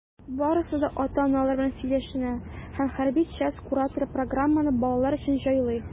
Барысы да ата-аналар белән сөйләшенә, һәм хәрби часть кураторы программаны балалар өчен җайлый.